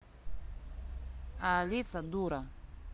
а алиса дура